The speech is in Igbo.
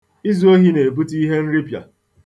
Izu ohi na-ebute ihenrip̣ịa.